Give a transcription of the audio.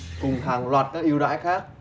cùng hàng loạt các ưu đãi khác